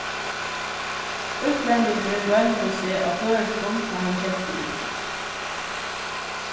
útlendingurin royndi seg á føroyskum tá hann keypti inn